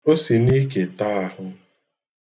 O si n'ike ta ahụ.